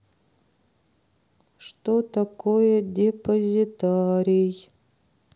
что такое депозитарий